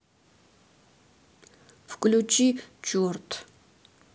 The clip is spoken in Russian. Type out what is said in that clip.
включи черт